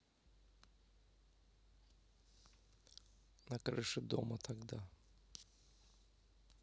на крыше дома тогда